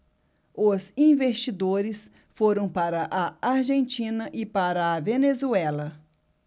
os investidores foram para a argentina e para a venezuela